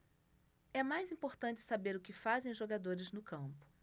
é mais importante saber o que fazem os jogadores no campo